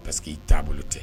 _Parce que i taabolo tɛ.